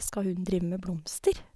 Skal hun drive med blomster?